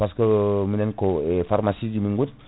par ce que minen ko e pharmacie ji min goni